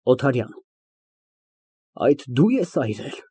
ՕԹԱՐՅԱՆ ֊ Ա, այդ դու ես այրել։